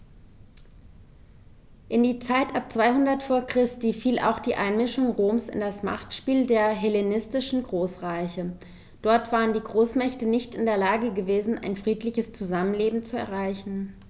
In die Zeit ab 200 v. Chr. fiel auch die Einmischung Roms in das Machtspiel der hellenistischen Großreiche: Dort waren die Großmächte nicht in der Lage gewesen, ein friedliches Zusammenleben zu erreichen.